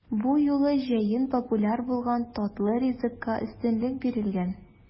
Бу юлы җәен популяр булган татлы ризыкка өстенлек бирелгән.